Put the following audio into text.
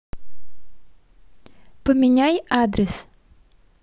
поменяй адрес